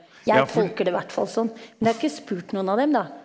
jeg tolker det hvert fall sånn, men jeg har ikke spurt noen av dem da.